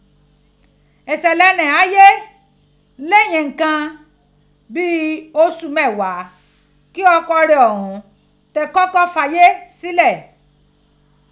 Iṣẹlẹ ni ghaye leyin nnkan bii oṣu mẹghaa ki ọkọ rẹ ọhun ti kọkọ faye silẹ.